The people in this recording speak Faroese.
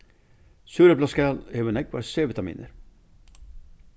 súreplaskal hevur nógvar c-vitaminir